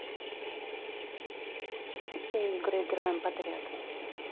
все игры играем подряд